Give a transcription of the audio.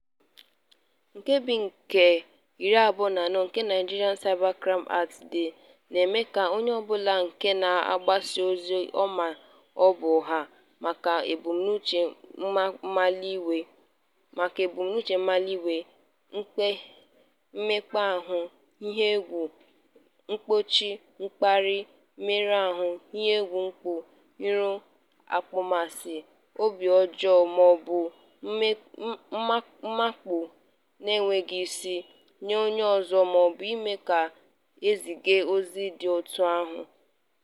Nkebi nke 24 nke Nigeria's Cybercrime Act na-eme ka "onye ọbụla nke na-agbasa ozi ọ maara na ọ bụ ụgha, maka ebumnuche mkpalị iwe, mmekpa ahụ, ihe egwu, mgbochi, mkparị, mmerụ ahụ, iyi egwu mpụ, iro, akpọmasị, obi ọjọọ mọọbụ obi mmapu n'enweghị isi nye onye ọzọ mọọbụ mee ka e ziga ụdịrị ozi dị otú ahụ."